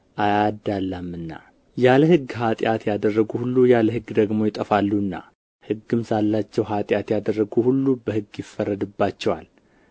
አያዳላምና ያለ ሕግ ኃጢአት ያደረጉ ሁሉ ያለ ሕግ ደግሞ ይጠፋሉና ሕግም ሳላቸው ኃጢአት ያደረጉ ሁሉ በሕግ ይፈረድባቸዋል